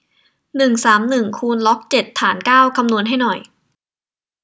หนึ่งสามหนึ่งคูณล็อกเจ็ดฐานเก้าคำนวณให้หน่อย